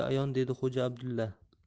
ayon dedi xo'ja abdulla